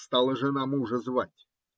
Стала жена мужа звать.